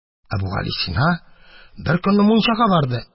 Әбүгалисина беркөнне мунчага барды.